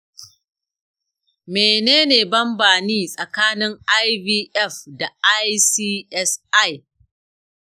menene bambani tsakanin ivf da icsi?